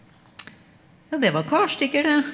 ja det var karstykker, det.